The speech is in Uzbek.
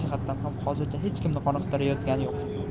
jihatdan ham hozircha hech kimni qoniqtirayotgani yo'q